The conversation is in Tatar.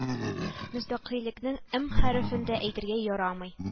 Мөстәкыйльлекнең эм хәрефен дә әйтергә ярамый